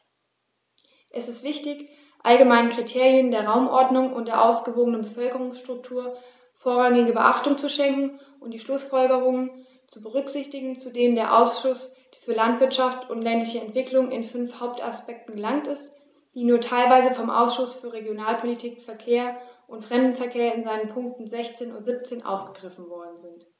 Es ist wichtig, allgemeinen Kriterien der Raumordnung und der ausgewogenen Bevölkerungsstruktur vorrangige Beachtung zu schenken und die Schlußfolgerungen zu berücksichtigen, zu denen der Ausschuss für Landwirtschaft und ländliche Entwicklung in fünf Hauptaspekten gelangt ist, die nur teilweise vom Ausschuss für Regionalpolitik, Verkehr und Fremdenverkehr in seinen Punkten 16 und 17 aufgegriffen worden sind.